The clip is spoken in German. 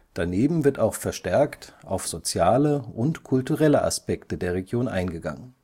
daneben wird auch verstärkt auf soziale und kulturelle Aspekte der Region eingegangen